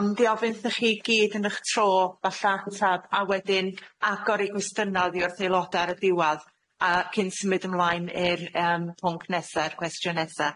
On' di ofyn 'thoch chi gyd yn ych tro falla atab a wedyn agor i gwestyna oddi wrth aeloda ar y diwadd a cyn symud ymlaen i'r yym pwnc nesa'r cwestiwn nesa.